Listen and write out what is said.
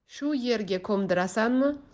shu yerga ko'mdirasanmi